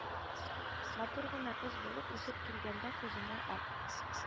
– матур гына кыз булып үсеп килгәндә, күземә ак